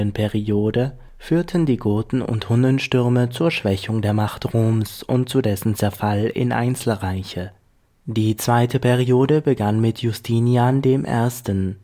Periode führten die Goten - und Hunnenstürme zur Schwächung der Macht Roms und zu dessen Zerfall in Einzelreiche. Die zweite Periode begann mit Justinian I., der in